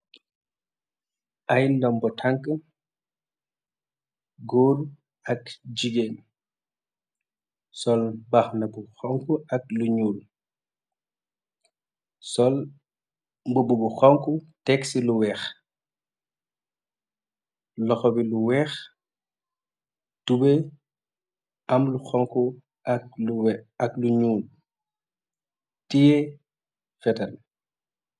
Ay ndam bo tank góoru ak jigéen sol baax na bu xonku ak lu ñyuul sol mbobbe bu xonku tegsi lu weex loxo bi lu weex tube am lu xonku ak lu ñuul tie fetal.